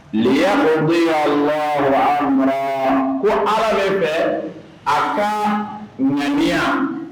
ko bɛ yaa la a mara ko ala bɛ fɛ a ka ŋaniya